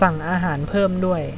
สั่งอาหารเพิ่มด้วย